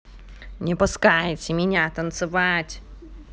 не пускайте меня танцевать